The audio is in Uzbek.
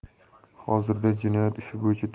hozirda jinoyat ishi bo'yicha